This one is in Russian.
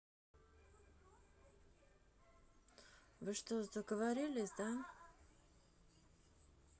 вы что сговорилися да